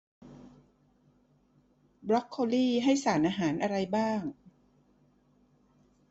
บล็อคโคลี่ให้สารอาหารอะไรบ้าง